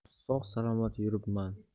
sog' salomat yuribman